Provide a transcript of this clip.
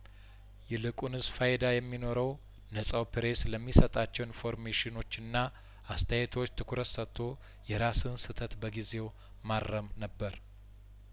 ይልቁን ስፋይዳ የሚኖረው ነጻው ፕሬስ ለሚሰጣቸው ኢንፎርሜሽኖችና አስተያየቶች ትኩረት ሰጥቶ የራስን ስህተት በጊዜው ማረም ነበር